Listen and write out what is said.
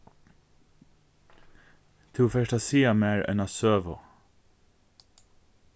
tú fert at siga mær eina søgu